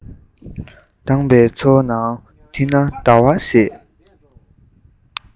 དྭངས པའི མཚོ ནང འདི ན ཟླ བ ཞེས